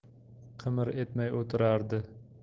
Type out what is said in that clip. qimir etmay o'tirardi